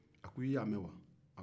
a ko i y'a mɛn wa